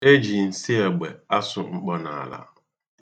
E ji nsị egbe asụ mkpọnala.